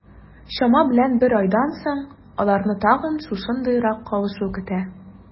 Чама белән бер айдан соң, аларны тагын шушындыйрак кавышу көтә.